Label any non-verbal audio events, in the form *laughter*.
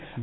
*hesitation* *hesitation*